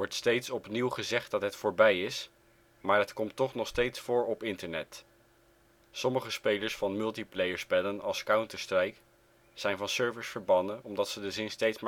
steeds opnieuw gezegd dat het voorbij is, maar het komt toch nog steeds voor op Internet. Sommige spelers van multiplayer-spellen als Counter-Strike zijn van servers verbannen omdat ze de zin steeds